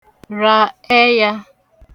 ra ẹyā